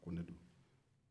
ako ne don